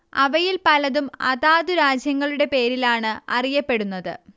അവയിൽ പലതും അതാതു രാജ്യങ്ങളുടെ പേരിലാണ് അറിയപ്പെടുന്നത്